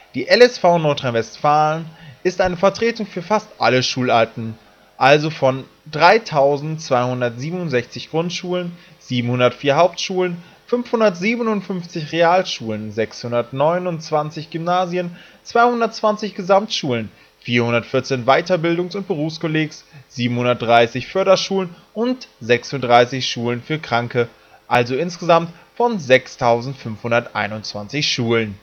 Die LSV Nordrhein-Westfalen ist eine Vertretung für fast alle Schularten, also von 3267 Grundschulen, 704 Hauptschulen, 557 Realschulen, 629 Gymnasien, 220 Gesamtschulen, 414 Weiterbildungs - und Berufskollegs, 730 Förderschulen und 36 Schulen für Kranke, also insgesamt von 6521 Schulen